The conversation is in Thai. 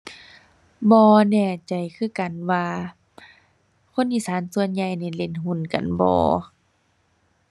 บ่แน่ใจคือกันว่า คนอีสานส่วนใหญ่นี่เล่นหุ้นกันบ่